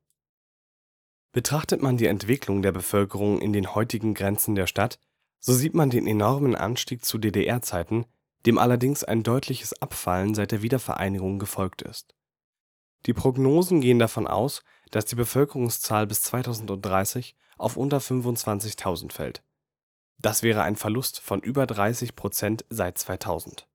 Betrachtet man die Entwicklung der Bevölkerung in den heutigen Grenzen der Stadt, so sieht man den enormen Anstieg zu DDR-Zeiten, dem allerdings ein deutliches Abfallen seit der Wiedervereinigung gefolgt ist. Die Prognosen gehen davon aus, dass die Bevölkerungszahl bis 2030 auf unter 25.000 fällt. Das wäre ein Verlust von über 30 Prozent seit 2000